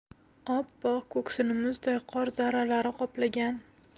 oppoq ko'ksini muzday qor zarralari qoplagan